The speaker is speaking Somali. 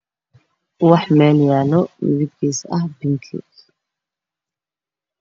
Ubax lee yaalo midibkisa yahy bingi